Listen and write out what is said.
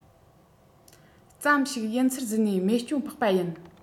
ཙམ ཞིག ཡིན ཚུལ བཟོས ནས རྨས སྐྱོན ཕོག པ ཡིན